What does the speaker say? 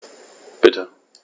Bitte.